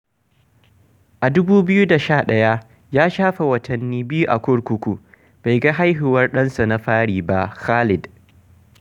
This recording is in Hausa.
a 2011, ya shafe watanni biyu a kurkuku, bai ga haihuwar ɗansa na fari ba, Khaled.